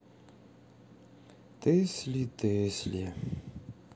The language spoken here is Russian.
тесли тесли